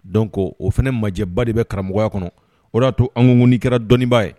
Don kɔ o fana majɛba de bɛ karamɔgɔya kɔnɔ o y'a to an ŋdi kɛra dɔnniibaa ye